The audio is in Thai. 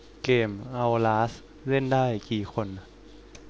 เกมเอ้าลาสเล่นได้กี่คน